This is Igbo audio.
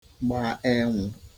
gba enwụ